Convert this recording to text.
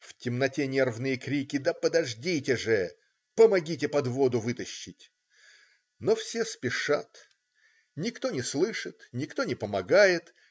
в темноте нервные крики: "да подождите же!", "помогите подводу вытащить!" Но все спешат. Никто не слышит. Никто не помогает.